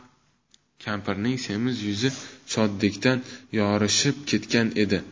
kampirning semiz yuzi shodlikdan yorishib ketgan edi